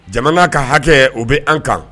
Jamana ka hakɛ o bɛ an kan